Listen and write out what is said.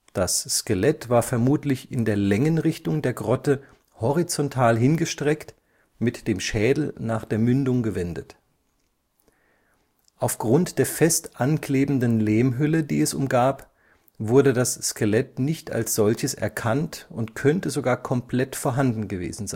Das Skelett war vermutlich in der Längenrichtung der Grotte horizontal hingestreckt, mit dem Schädel nach der Mündung gewendet. Aufgrund der fest anklebenden Lehmhülle, die es umgab, wurde das Skelett nicht als solches erkannt und könnte sogar komplett vorhanden gewesen